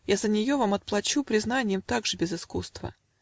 Я за нее вам отплачу Признаньем также без искусства